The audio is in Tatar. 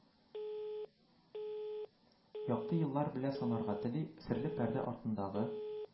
Якты еллар белән санарга тели, серле пәрдә артындагы